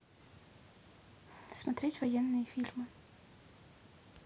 смотреть военные фильмы